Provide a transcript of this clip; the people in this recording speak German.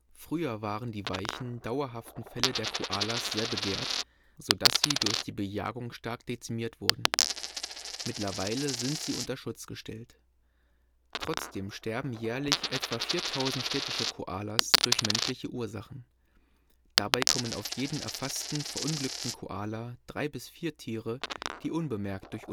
Früher waren die weichen, dauerhaften Felle der Koalas sehr begehrt, so dass sie durch die Bejagung stark dezimiert wurden. Mittlerweile sind sie unter Schutz gestellt. Trotzdem sterben jährlich etwa 4000 städtische Koalas durch menschliche Ursachen. Dabei kommen auf jeden erfassten verunglückten Koala drei bis vier Tiere, die unbemerkt durch